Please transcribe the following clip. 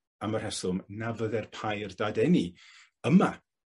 Am y rheswm na fyddai'r pair dadeni yma